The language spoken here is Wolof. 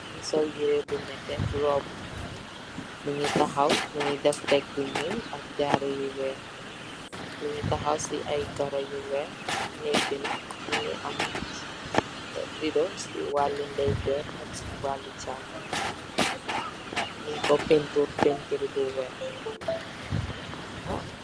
Mungi sol yereh bu neteh robu